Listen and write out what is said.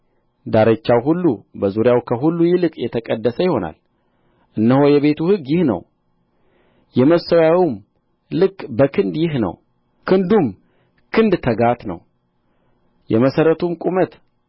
ዳርቻው ሁሉ በዙሪያው ከሁሉ ይልቅ የተቀደስ ይሆናል እነሆ የቤቱ ሕግ ይህ ነው የመሠዊያውም ልክ በክንድ ይህ ነው ክንዱም ክንድ ተጋት ነው የመሠረቱም ቁመቱ